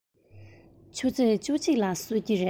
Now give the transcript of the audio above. ཆུ ཚོད བཅུ གཅིག ལ གསོད ཀྱི རེད